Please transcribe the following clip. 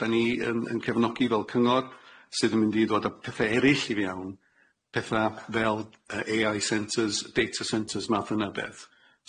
Dan ni yn yn cefnogi fel cyngor sydd yn mynd i ddod a pethe erill i fiewn petha fel yy Ay Eye centres data centres math yna o beth.